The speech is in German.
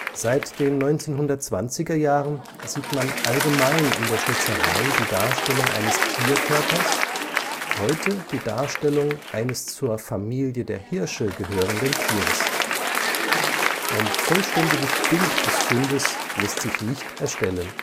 Seit den 1920er Jahren sieht man allgemein in der Schnitzerei die Darstellung eines Tierkörpers, heute die Darstellung eines zur Familie der Hirsche gehörenden Tieres. Ein vollständiges Bild des Fundes lässt sich nicht erstellen